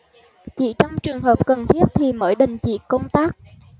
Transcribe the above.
chỉ trong trường hợp cần thiết thì mới đình chỉ công tác